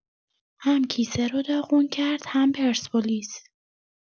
هم کیسه رو داغون کرد هم پرسپولیس